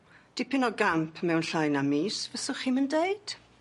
Dipyn o gamp mewn llai na mis fyswch chi'm yn deud?